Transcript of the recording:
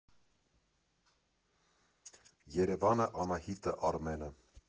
Երևանը, Անահիտը, Արմենը։